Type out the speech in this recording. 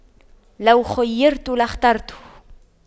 لو خُيِّرْتُ لاخترت